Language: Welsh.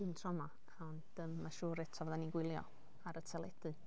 Ddim tro 'ma, ond yym mae'n siŵr eto fyddan ni'n gwylio ar y teledu.